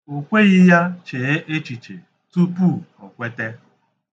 O kweghị ya chee echiche tupu o kwete.